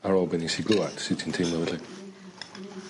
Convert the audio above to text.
Ar ôl be' nes i glwad sut ti'n teimlo felly?